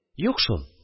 Юк шул